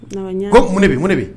Ko bɛ mun bɛ